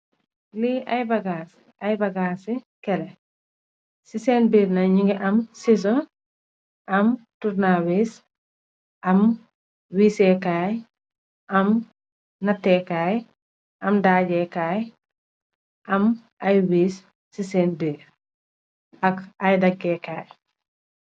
Lii ay bagass, ay bagas si kele, si sen biir nak mingi am siiso, am turnawees, am weesekaay, am natekaay, am dajekaay, am ay wees si sen biir, ak ay dagekaay